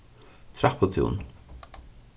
trapputún